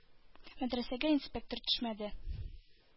Мәдрәсәгә инспектор төшмәде.